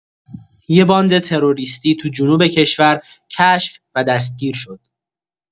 یه باند تروریستی تو جنوب کشور کشف و دستگیر شد.